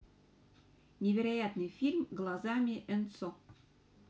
невероятный фильм глазами энцо